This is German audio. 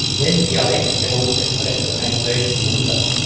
Wenn dialektgewohnte Sprecher einer deutschen Mundart